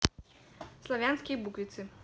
славянские буквицы